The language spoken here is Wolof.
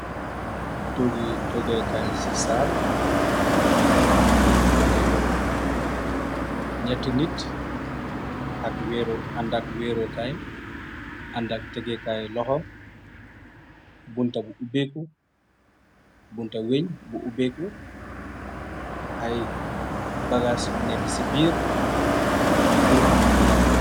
Toggi togekaay ci saal muna yóbbo ñeeti nit ak andak wéerokaay andak tegokaay loxo bunta bu uéebeku bunta weñ bu ubeeku ay bagaas yu nekk ci biir pur jaay.